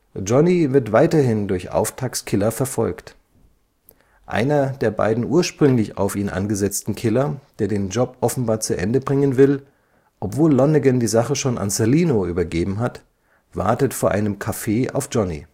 Johnny wird weiterhin durch Auftragskiller verfolgt. Einer der beiden ursprünglich auf ihn angesetzten Killer, der den Job offenbar zu Ende bringen will, obwohl Lonnegan die Sache schon an Salino übergeben hat, wartet vor einem Café auf Johnny